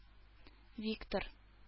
Виктор